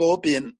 bob un